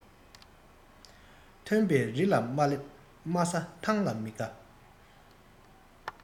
མཐོན པོའི རི ལ མ སླེབས དམའ ས ཐང ལ མི དགའ